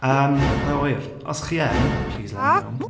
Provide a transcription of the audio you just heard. Yym, pwy a wyr? Os chi yn, please let me know.